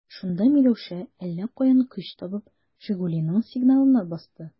Шунда Миләүшә, әллә каян көч табып, «Жигули»ның сигналына басты.